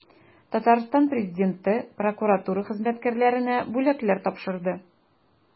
Татарстан Президенты прокуратура хезмәткәрләренә бүләкләр тапшырды.